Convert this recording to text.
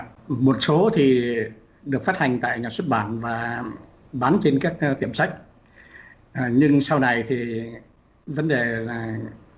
một số thì được phát hành tại nhà xuất bản và bán trên các tiệm sách nhưng sau này thì vấn đề là